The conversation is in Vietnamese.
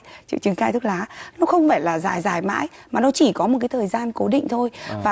triệu chứng cai thuốc lá nó không phải là dài dài mãi mà nó chỉ có một cái thời gian cố định thôi và